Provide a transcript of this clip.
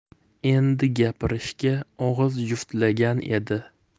u endi gapirishga og'iz juftlagan edi